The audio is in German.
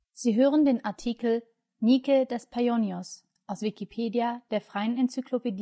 Sie hören den Artikel Nike des Paionios, aus Wikipedia, der freien Enzyklopädie